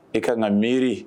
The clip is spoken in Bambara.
E ka na miiri